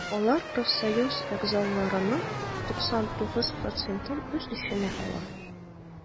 Алар профсоюз әгъзаларының 99 процентын үз эченә ала.